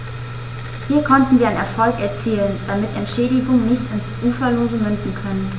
Hier konnten wir einen Erfolg erzielen, damit Entschädigungen nicht ins Uferlose münden können.